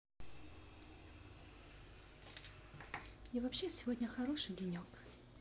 и вообще сегодня хороший денек